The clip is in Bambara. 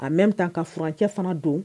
A mɛn bɛ taa ka furakɛcɛ fana don